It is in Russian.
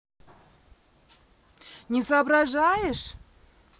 не соображаешь